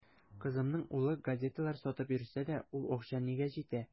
Кызымның улы газеталар сатып йөрсә дә, ул акча нигә җитә.